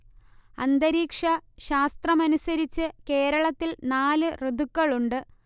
അന്തരീക്ഷ ശാസ്ത്രമനുസരിച്ച് കേരളത്തിൽ നാല് ഋതുക്കളുണ്ട്